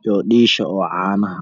iyo dhiisha oo caanaha